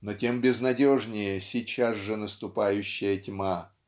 но тем безнадежнее сейчас же наступающая тьма.